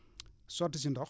sotti si ndox